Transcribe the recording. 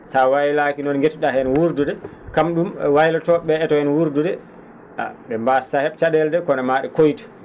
so a waylaaki noon ngeti?aa heen wuurdude kam ?um waylotoo?e ?ee etoo heen wuurdude a ?e mbaasataa he? ca?eele de kono maa ?e koytu